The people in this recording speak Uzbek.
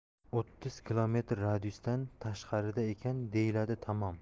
o'ttiz kilometr radiusdan tashqarida ekan deyiladi tamom